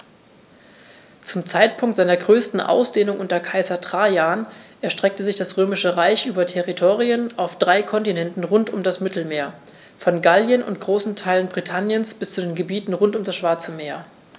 Zum Zeitpunkt seiner größten Ausdehnung unter Kaiser Trajan erstreckte sich das Römische Reich über Territorien auf drei Kontinenten rund um das Mittelmeer: Von Gallien und großen Teilen Britanniens bis zu den Gebieten rund um das Schwarze Meer.